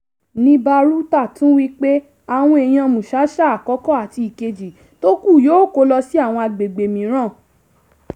Nibaruta tún wí pé àwọn èèyàn Mushasha I àti II tó kù yóò kó lọ sí àwọn agbègbè mìíràn.